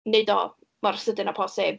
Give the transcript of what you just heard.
wneud o mor sydyn â posib.